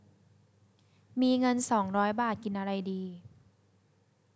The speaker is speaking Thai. มีเงินสองร้อยบาทกินอะไรดี